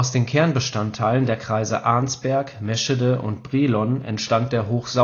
den Kernbestandteilen der Kreise Arnsberg, Meschede und Brilon entstand der Hochsauerlandkreis